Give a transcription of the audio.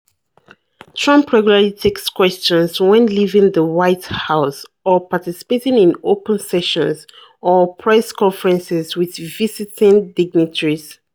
Trump regularly takes questions when leaving the White House or participating in open sessions or press conferences with visiting dignitaries.